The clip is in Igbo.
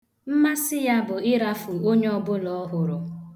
Mmasị ya bụ ịrafụ onye ọbụla ọ hụrụ.